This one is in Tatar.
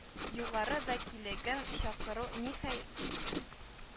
Югары вәкиллеген чакыру ниһәя